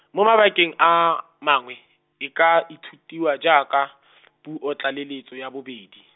mo mabakeng a, mangwe, e ka ithutiwa jaaka , puo tlaleletso ya bobedi.